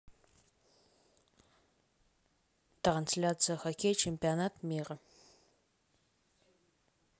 трансляция хоккей чемпионат мира